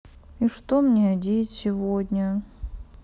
и что мне одеть сегодня